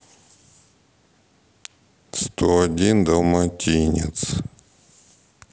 сто один далматинец